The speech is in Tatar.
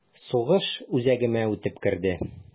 Сугыш үзәгемә үтеп керде...